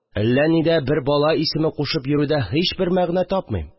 Әллә нидә бер бала исеме кушып йөрүдә һичбер мәгънә тапмыйм